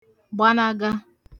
gbanaga